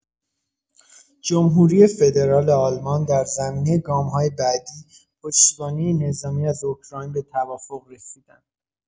جمهوری فدرال آلمان، در زمینه گام‌های بعدی پشتیبانی نظامی از اوکراین به توافق رسیدند.